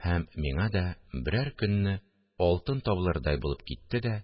Һәм миңа да берәр көнне алтын табылырдай булып китте дә